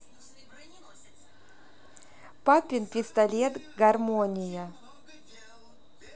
папин пистолет гармония